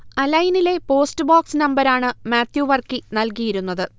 അൽ ഐ നിലെ post box നമ്പരാണ് മാത്യു വർക്കി നൽകിയിരുന്നത്